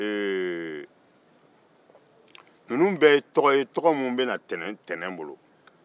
ninnu bɛɛ ye tɔgɔ ye minnu bɛ na ntɛnɛn bolo